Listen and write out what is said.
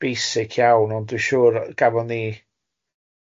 Basic iawn ond dwi'n siŵr gafon ni,